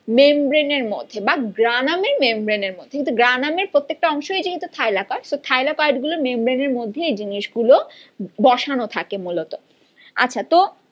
membrane এর মধ্যে বা গ্রানামের মেমব্রেন এর মধ্যে গ্রানামের প্রত্যেকটা অংশই যেহেতু থাইলাকয়েড থাইলাকয়েড এর মেমব্রেন এর মধ্যে এ জিনিস গুলো বসানো থাকে মূলত আচ্ছা তো